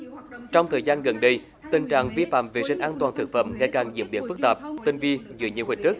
trong thời gian gần đây tình trạng vi phạm vệ sinh an toàn thực phẩm ngày càng diễn biến phức tạp tinh vi dưới nhiều hình thức